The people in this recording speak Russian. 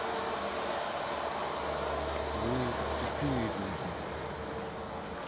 вы тупые люди